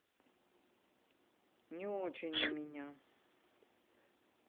не очень на меня